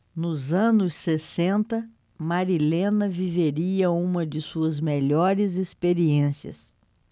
nos anos sessenta marilena viveria uma de suas melhores experiências